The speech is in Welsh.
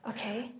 Oce.